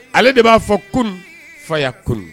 Ale de b'a fɔ kunun faya kunun